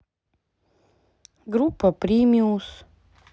группа примус